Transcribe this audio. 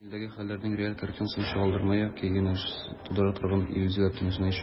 Путин илдәге хәлләрнең реаль картинасын чагылдырамы яки янәшәсендәгеләр тудыра торган иллюзияләр дөньясында яшиме?